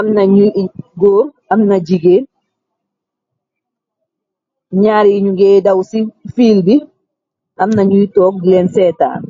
amna góor amna jigéen ñaar yi ñyugéy daw ci fiil bi amnañuy toog di leen ceetan.